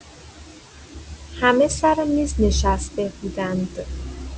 همه سر میز نشسته بودند.